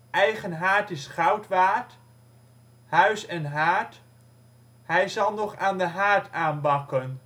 Eigen haard is goud waard Huis en haard Hij zal nog aan de haard aanbakken